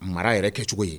A mara yɛrɛ kɛcogo ye